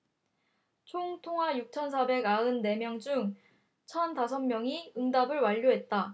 총 통화 육천 사백 아흔 네 명 중 천 다섯 명이 응답을 완료했다